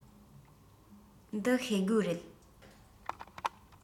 འདི ཤེལ སྒོ རེད